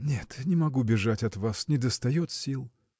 – Нет, не могу бежать от вас: недостает сил!